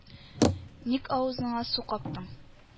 Ник авызыңа су каптың?